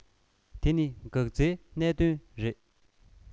དེ ནི འགག རྩའི གནད དོན རེད